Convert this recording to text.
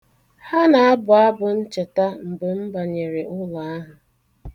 Ha na-abụ abụ ncheta mgbe m banyere ụlọ ahụ.